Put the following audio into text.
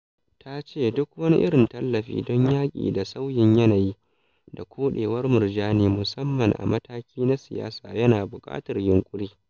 Ta ce duk wani irin tallafi don yaƙi da sauyin yanayi da koɗewar murjani musamman a mataki na siyasa yana "buƙatar yunƙuri".